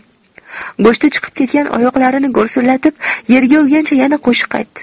go'shti chiqib ketgan oyoqlarini gursillatib yerga urgancha yana qo'shiq aytdi